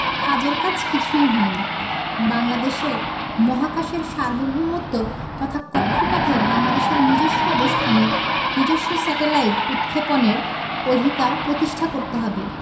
কাজের কাজ কিছুই হয়নি মহাকাশের সার্বভৌমত্ব তথা কক্ষপথে বাংলাদেশের নিজস্ব অবস্থানে নিজস্ব স্যাটেলাইট উৎক্ষেপণের অধিকার প্রতিষ্ঠা করতে হবে